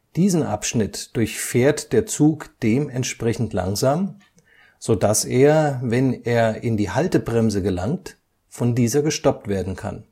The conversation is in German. Diesen Abschnitt durchfährt der Zug dementsprechend langsam, sodass er, wenn er in die Haltebremse gelangt, von dieser gestoppt werden kann